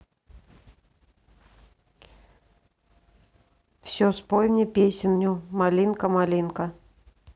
все спой мне песню малинка малинка